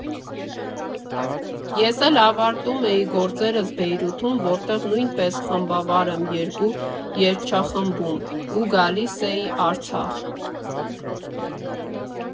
Ես էլ ավարտում էի գործերս Բեյրութում, որտեղ նույնպես խմբավար եմ երկու երգչախմբում, ու գալիս էի Արցախ։